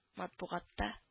Матбугатта